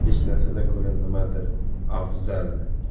hech narsadan ko'ra nimadir afzal